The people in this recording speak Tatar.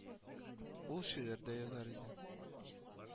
Ул шигырь дә язар иде